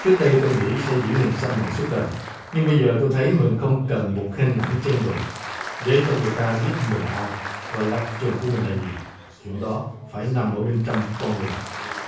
trước đây tôi nghĩ sẽ giữ hình xăm này suốt đời nhưng bây giờ tôi thấy mình không cần một hình ảnh trên người để cho người ta biết mình là ai và lập trường của mình là gì chuyện đó phải nằm ở bên trong con người bạn